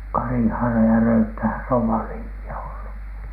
Karihaara ja Röyttähän se on vanhimpia ollut